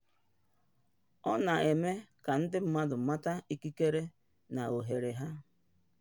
Ọ na-eme ka ndị mmadụ mata ikikere na ohere ha.